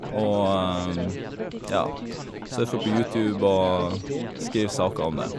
Og, ja, surfer på YouTube og skriver saker om det.